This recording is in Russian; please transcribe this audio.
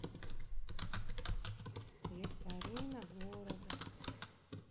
викторина города